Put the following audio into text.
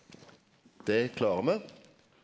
det klarar me.